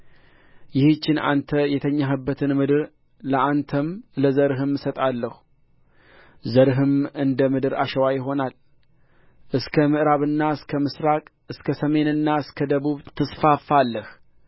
ይህችን አንተ የተኛህባትን ምድር ለአንተም ለዘርህም እሰጣለሁ ዘርህም እንደ ምድር አሸዋ ይሆናል እስከ ምዕራብና እስከ ምሥራቅ እስከ ሰሜንና እስከ ደቡብ ትስፋፋለህ